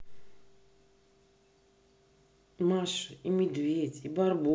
маша и медведь и барбоскины